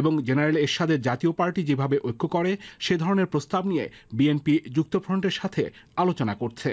এবং জেনারেল এরশাদের জাতীয় পার্টি ভাবে ঐক্য করে সে ধরনের প্রস্তাব নিয়ে বিএনপি যুক্তফ্রন্টের সাথে আলোচনা করছে